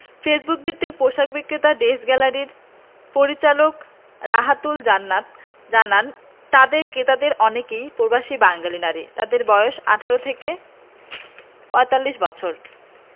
ফেসবুকভিত্তিক পোশাক বিক্রেতা ড্রেস গ্যালারির পরিচালকরাহাতুল জান্নাত জানান তাঁদের ক্রেতাদের অনেকেই প্রবাসী বাঙালি নারী যাঁদের বয়স ১৮ থেকে ৪৫ বছর